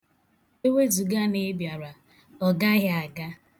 Ewezuga na ị bịara, ọ gaghị aga.